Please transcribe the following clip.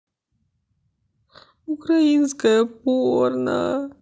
украинское порно